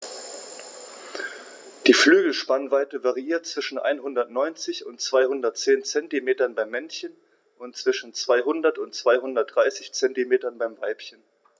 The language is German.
Die Flügelspannweite variiert zwischen 190 und 210 cm beim Männchen und zwischen 200 und 230 cm beim Weibchen.